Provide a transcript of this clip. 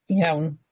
Iawn.